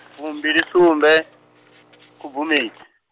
fumbilisumbe, Khubvumedzi.